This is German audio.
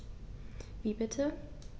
Wie bitte?